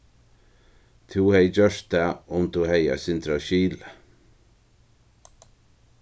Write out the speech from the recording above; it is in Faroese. tú hevði gjørt tað um tú hevði eitt sindur av skili